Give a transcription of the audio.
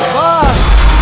vâng